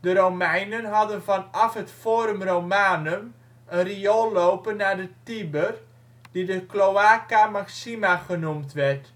De Romeinen hadden vanaf het Forum Romanum een riool lopen naar de Tiber, die de Cloaca Maxima genoemd werd